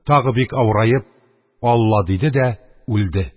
Тагы бик авыраеп: «Алла!..» – диде дә үлде.